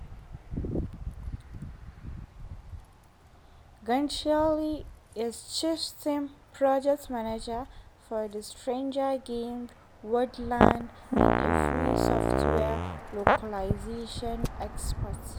GunChleoc is Chieftain (project manager) for the strategy game Widelands and a free software localization expert.